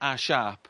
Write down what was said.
a siâp